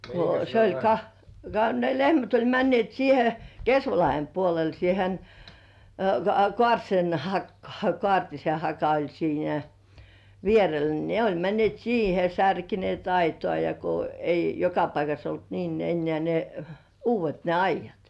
kun se oli ka ka ne lehmät oli menneet siihen Kesvalahden puolelle siihen - Kaartisen hakaan Kaartisenhaka oli siinä vierellä niin ne oli menneet siihen ja särkeneet aitaa ja kun ei joka paikassa ollut niin enää ne uudet ne aidat